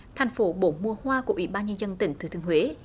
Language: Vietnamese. thành phố bổ mùa hoa của ủy ban nhân dân tỉnh thừa thiên huế